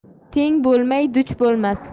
teng bo'lmay duch bo'lmas